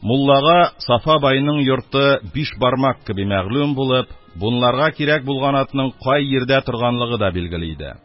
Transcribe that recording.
Муллага Сафа байның йорты биш бармак кеби мәгълүм булып, бунларга кирәк булган атның кай йирдә торганлыгы да билгеле иде: